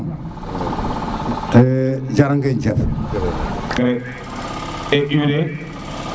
jarangen jëf